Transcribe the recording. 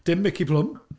Dim Mici Plwm.